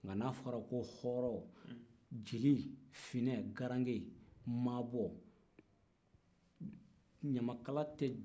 nka n'a fɔra ko hɔrɔn jeli finɛ garange maabɔ ɲamakala tɛ